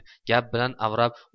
gap bilan avrab